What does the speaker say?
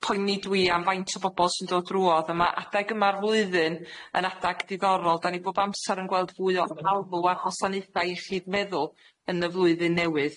Poeni dwi am faint o bobol sy'n dod drwodd, a ma' adeg yma'r flwyddyn yn adag diddorol. 'Dan ni bob amsar yn gweld fwy o alw ar wasanaethau iechyd meddwl yn y flwyddyn newydd.